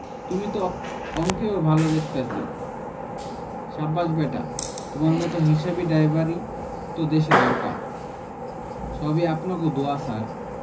তুমি তো অঙ্কেও ভাল দেখতেছি সাব্বাস ব্যাটা তোমার মত হিসাবি ড্রাইভারই তো দেশে দরকার সবই আপনাগো দোয়া ছার